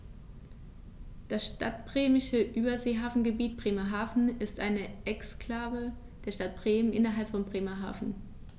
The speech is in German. Das Stadtbremische Überseehafengebiet Bremerhaven ist eine Exklave der Stadt Bremen innerhalb von Bremerhaven.